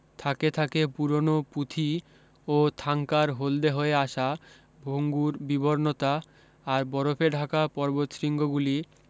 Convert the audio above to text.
থাকে থাকে পুরনো পুঁথি ও থাংকার হলদে হয়ে আসা ভঙ্গুর বিবর্ণতা আর বরফে ঢাকা পর্বতশৃঙ্গগুলি